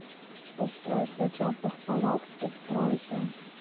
устройство теплых полов в пристройке